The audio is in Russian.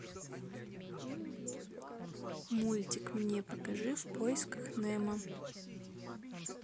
мультик мне покажи в поисках немо